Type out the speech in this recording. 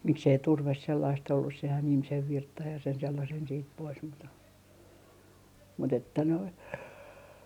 miksi ei turve sellaista ollut sehän ihmisen virtsan ja sen sellaisen sitten pois mutta mutta että noin